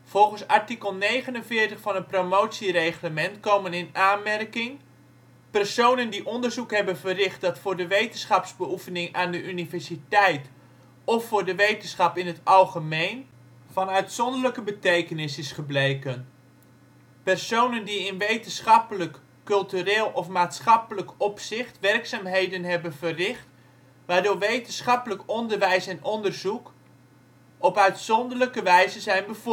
Volgens art. 49 van het promotiereglement komen in aanmerking: personen die onderzoek hebben verricht dat voor de wetenschapsbeoefening aan de universiteit of voor de wetenschap in het algemeen van uitzonderlijke betekenis zijn gebleken; personen die in wetenschappelijk, cultureel of maatschappelijk opzicht werkzaamheden hebben verricht waardoor wetenschappelijk onderwijs en onderzoek op uitzonderlijke wijze zijn